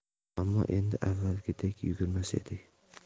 ammo endi avvalgidek yugurmas edik